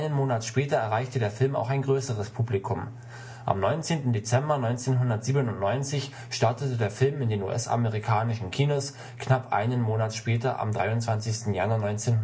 Monat später erreichte der Film auch ein größeres Publikum. Am 19. Dezember 1997 startete der Film in den US-amerikanischen Kinos, knapp einen Monat später am 23. Januar 1998